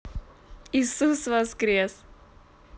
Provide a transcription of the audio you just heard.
иисус воскрес